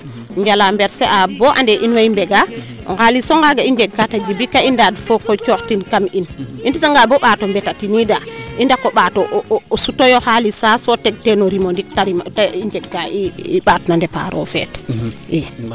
njala mberse a bo ande in wey mbegaa o ngaliso ngaga i njeg ka ta Djiby ka ngaanj fop coox tin kam in i ndeta nga bo mbaato mbeta ti niida i ndako mbaato sutoyo xalis faa so teg teen o rimo ndik so te ke i njeg ka i mbaat no demarer o feet i